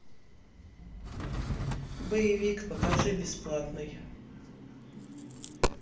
боевик покажи бесплатный